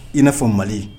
I n'a fɔ mali